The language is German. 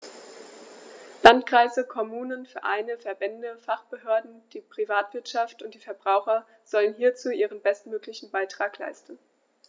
Landkreise, Kommunen, Vereine, Verbände, Fachbehörden, die Privatwirtschaft und die Verbraucher sollen hierzu ihren bestmöglichen Beitrag leisten.